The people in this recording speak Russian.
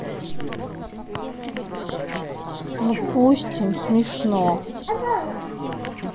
допустим смешно